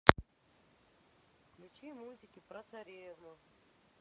включи мультики про царевну